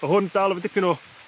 ma' hwn dal efo dipyn o